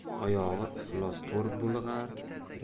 oyog'i iflos to'r bulg'ar